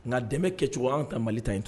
Nka dɛmɛ kɛcogo an ka mali ta in to